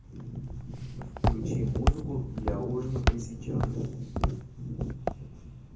включи музыку для ужина при свечах